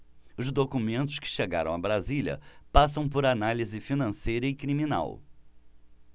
os documentos que chegaram a brasília passam por análise financeira e criminal